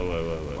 waaw waaw waa